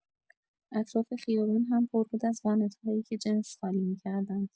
اطراف خیابان هم پر بود از وانت‌هایی که جنس خالی می‌کردند.